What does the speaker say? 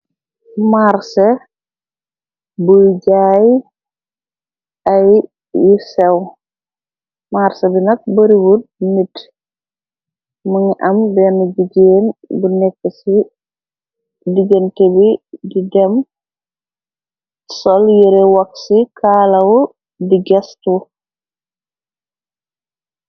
Màrsé buy jaay ay yi sew. Marsé di nak bariwood nit mënga am benn jijeen bu nekk ci digénte bi di dem sol yëre wok ci kaalaw di gestu.